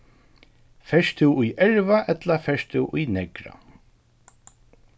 fert tú í erva ella fert tú í neðra